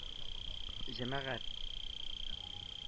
Җәмәгать